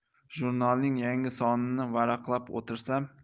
jurnalning yangi sonini varaqlab o'tirsam